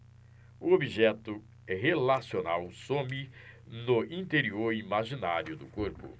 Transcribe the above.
o objeto relacional some no interior imaginário do corpo